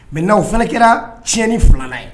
Mɛ n'aw fana kɛra tiɲɛn ni filanan ye